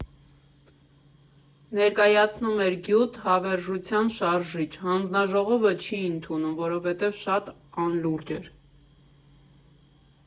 Ներկայացնում էր գյուտ՝ հավերժության շարժիչ, հանձնաժողովը չի ընդունում, որովհետև շատ անլուրջ էր.